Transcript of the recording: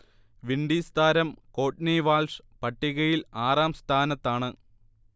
Windies താരം Courtney Walsh പട്ടികയിൽ ആറാം സ്ഥാനത്താണ്